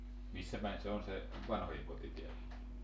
missä päin se on se vanhojen koti täällä